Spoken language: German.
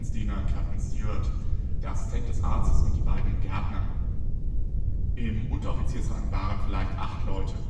der Kapitänsdiener (Captain’ s Steward), der Assistent des Arztes und die beiden „ Gärtner “. Im Unteroffiziersrang waren vielleicht acht Leute